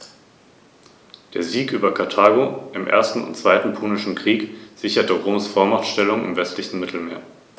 Grundfarbe des Gefieders ist ein einheitliches dunkles Braun.